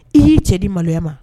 I yi cɛ di maloya ma